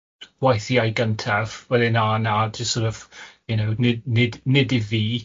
waithiau gyntaf, wedyn na na jyst sor' of, you know, nid nid nid i fi